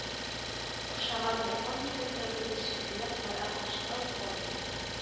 Охшаган япон егете үзе шикелле кара-кучкыл «хонда»сына